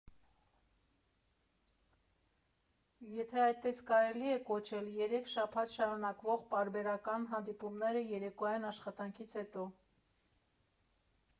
Եթե այդպես կարելի է կոչել երեք շաբաթ շարունակվող պարբերական հանդիպումները երեկոյան՝ աշխատանքից հետո։